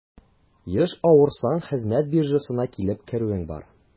Еш авырсаң, хезмәт биржасына килеп керүең бар.